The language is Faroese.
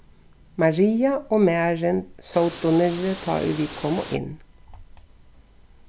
maria og marin sótu niðri tá ið vit komu inn